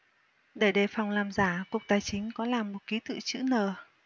để đề phòng làm giả cục tài chính có làm một ký tự chữ n